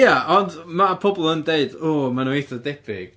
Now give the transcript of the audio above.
Ia, ond ma' pobl yn deud, w, maen nhw'n eitha debyg.